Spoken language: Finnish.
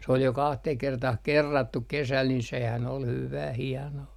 se oli jo kahteen kertaan kerrattu kesällä niin sehän oli hyvää hienoa